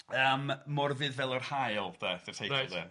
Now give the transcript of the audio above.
Yym Morfudd Fel yr Haul de, 'di'r teitl de. Reit.